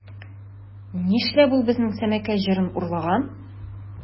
Нишләп ул безнең Сәмәкәй җырын урлаган?